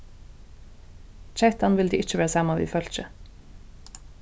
kettan vildi ikki vera saman við fólki